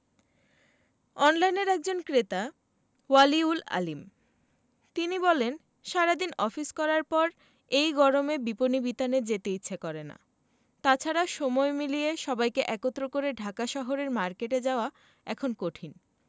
অনলাইনের একজন ক্রেতা ওয়ালি উল আলীম তিনি বলেন সারা দিন অফিস করার পর এই গরমে বিপণিবিতানে যেতে ইচ্ছে করে না তা ছাড়া সময় মিলিয়ে সবাইকে একত্র করে ঢাকা শহরের মার্কেটে যাওয়া এখন কঠিন